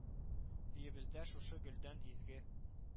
Өебездә шушы гөлдән изге